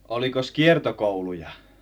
olikos kiertokouluja